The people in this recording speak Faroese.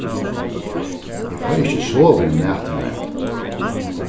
eg fái ikki sovið um næturnar